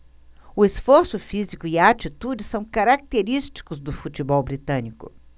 o esforço físico e a atitude são característicos do futebol britânico